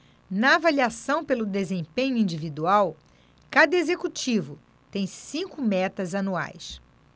na avaliação pelo desempenho individual cada executivo tem cinco metas anuais